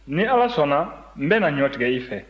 ni ala sɔnna n bɛ na ɲɔ tigɛ i fɛ